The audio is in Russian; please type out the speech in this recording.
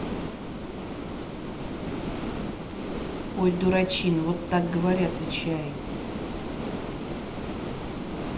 ой дурачина вот так говори отвечай